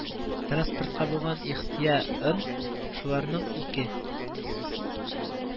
Транспортка булган ихтыя ын шуларның ике